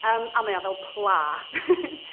Yym a mae o fel pla .